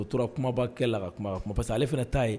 U tora kumaba kɛ la ka kuma ka kuma parce que ale fana t'a ye